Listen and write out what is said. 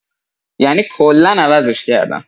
یعنی کلا عوضش کردم.